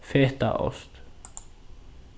fetaost